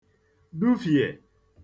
dufhìè